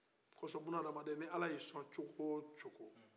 o kosɔ bunaadamaden ni ala ye i son cogo o cogo